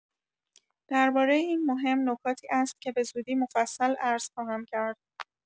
درباره این مهم، نکاتی است که به‌زودی مفصل عرض خواهم کرد!